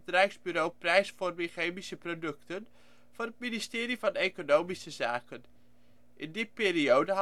Rijksbureau Prijsvorming chemische producten " van het ministerie van Economische Zaken. In die periode